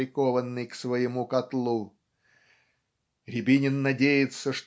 прикованный к своему котлу? Рябинин надеется